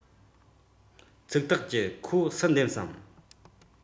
ཚིག ཐག བཅད ཁོ སུ འདེམས སམ